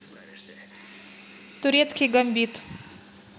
турецкий гамбит